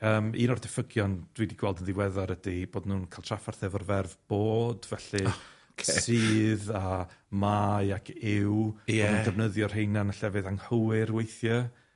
Yym un o'r diffygion dwi 'di gweld yn ddiweddar ydi bod nw'n ca'l traffarth efo'r ferf bod, felly... O, ocê. ...sydd a mae ac yw. Ie. a ma' nw'n defnyddio rheina yn y llefydd anghywir weithie.